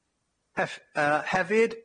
Heff-, yy hefyd